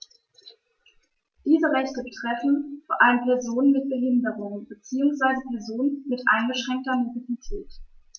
Diese Rechte betreffen vor allem Personen mit Behinderung beziehungsweise Personen mit eingeschränkter Mobilität.